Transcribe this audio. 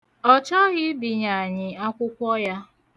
Ọ chọghị ibinye anyị akwụkwọ ya.